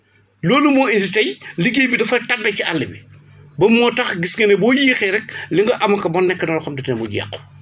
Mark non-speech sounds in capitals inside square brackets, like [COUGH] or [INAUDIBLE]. loolu moo indi tey liggéey bi dafa tardé ci àll bi ba moo tax gis nga ne boo yéexee rek [BREATH] li nga am moom nekk na loo xam ne dafay mujj yàqu